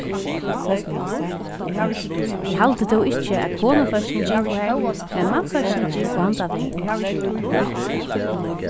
eg haldi tó ikki at konufólkini gingu har men mannfólkini gingu handan vegin